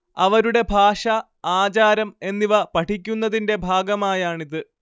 അവരുടെ ഭാഷ, ആചാരം എന്നിവ പഠിക്കുന്നതിന്റെ ഭാഗമായാണിത്‌